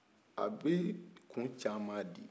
a bi kun caman di